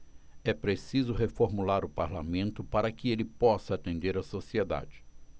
é preciso reformular o parlamento para que ele possa atender a sociedade